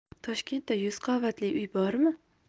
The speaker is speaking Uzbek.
toshkentda yuz qavatli uy bormi